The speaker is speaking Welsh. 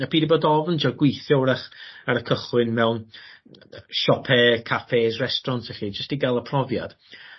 a pidio bod ofn ji'o' gweithio 'w'rach ar y cychwyn mewn siope cafes resteraunts felly jyst 'i ga'l y profiad